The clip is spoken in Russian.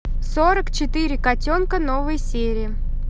сорок четыре котенка новые серии